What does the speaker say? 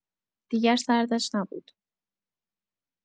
دیگر سردش نبود.